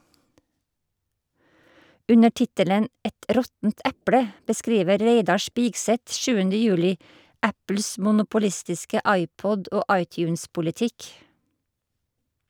Under tittelen "Et råttent eple" beskriver Reidar Spigseth 7. juli Apples monopolistiske iPod- og iTunes-politikk.